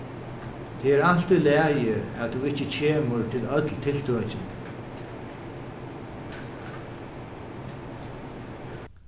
tað er alt í lagi at tú ikki kemur til øll tiltøkini